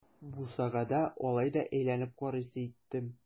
Бусагада алай да әйләнеп карыйсы иттем.